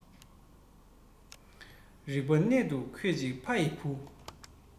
རིག པ གནད དུ ཁོད ཅིག ཕ ཡི བུ